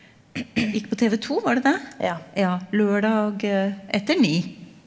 gikk på TV-to, var det det, ja lørdag etter ni?